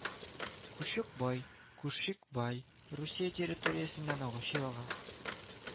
Кучук-Бай Кушикбай Русия территориясеннән агучы елга